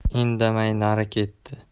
indamay nari ketdi